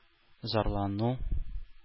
Зарлану